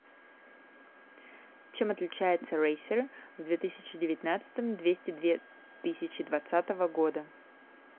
чем отличается racer в две тысячи девятнадцатом двести две тысячи двадцатого года